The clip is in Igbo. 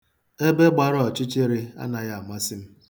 Ebe gbara ọchịchịrị anaghị amasị m.